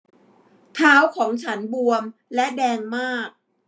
เท้าของฉันบวมและแดงมาก